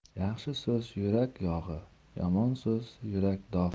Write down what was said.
yaxshi so'z yurak yog'i yomon so'z yurak dog'i